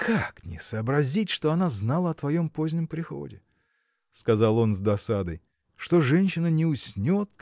– Как не сообразить, что она знала о твоем позднем приходе? – сказал он с досадой – что женщина не уснет